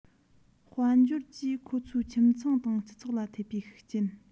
དཔལ འབྱོར གྱིས ཁོ ཚོའི ཁྱིམ ཚང དང སྤྱི ཚོགས ལ ཐེབས པའི ཤུགས རྐྱེན